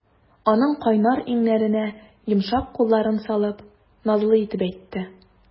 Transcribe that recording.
Аның кайнар иңнәренә йомшак кулларын салып, назлы итеп әйтте.